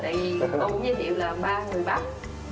tại vì con cũng giới thiệu là ba người bắc